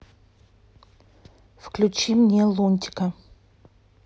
включи мне лунтика